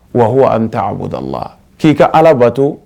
Wa ko an tɛ abudala k'i ka ala bato